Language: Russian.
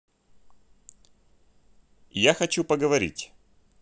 я хочу поговорить